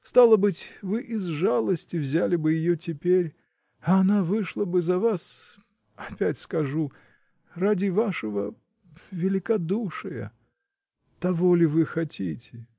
Стало быть, вы из жалости взяли бы ее теперь, а она вышла бы за вас — опять скажу — ради вашего. великодушия. Того ли вы хотите?